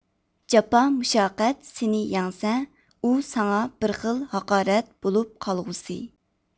جاپا مۇشەققەت سېنى يەڭسە ئۇ ساڭا بىر خىل ھاقارەت بولۇپ قالغۇسى